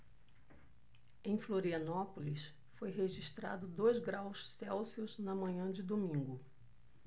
em florianópolis foi registrado dois graus celsius na manhã de domingo